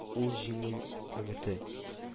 Ул җиңү өмете